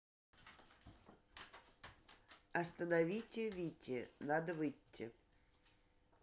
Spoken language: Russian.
остановите вите надо выйти